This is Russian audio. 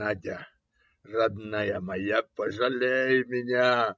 Надя, родная моя, пожалей меня!